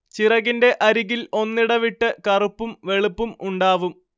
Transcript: ചിറകിന്റെ അരികിൽ ഒന്നിടവിട്ട് കറുപ്പും വെളുപ്പും ഉണ്ടാവും